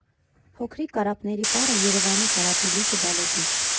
Փոքրիկ կարապների պարը Երևանի «Կարապի լիճը» բալետից։